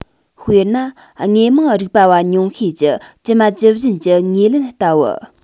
དཔེར ན དངོས མང རིག པ བ ཉུང ཤས ཀྱི ཇི མ ཇི བཞིན ཀྱི ངོས ལེན ལྟ བུ